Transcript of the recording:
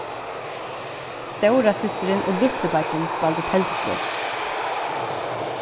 stórasystirin og lítlibeiggin spældu telduspøl